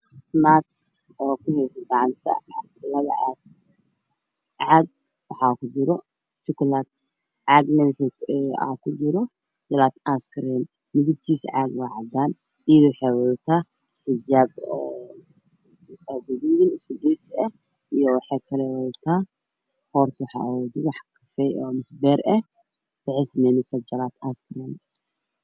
Naag oo gacanta kuheyso labo caag. Caag waxaa kujiro jukuleed. Caagna waxaa kujiro jalaato aas kareem midabkiisu waa cadaan, ayadana waxay wadataa xijaab gaduud oo isku days ah waxay sameynaysaa jalaato aas kareem.